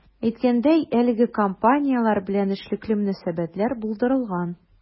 Әйткәндәй, әлеге компанияләр белән эшлекле мөнәсәбәтләр булдырылган.